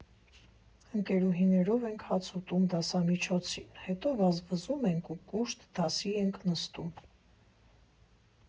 Ընկեուհիներով ենք հաց ուտում դասամիջոցին, հետո վազվզում ենք ու կուշտ դասի ենք նստում։